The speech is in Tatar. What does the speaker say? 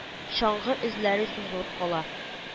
Чаңгы эзләре сузылып кала